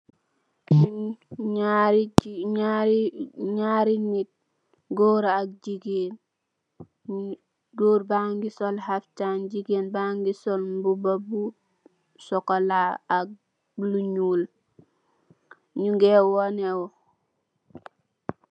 Nyaari nit, goor ak jigain, goor bangi sol haftaan, jigain bangi sol mbuba bu sokolaa ak lu nyul, nyungee wanne wu.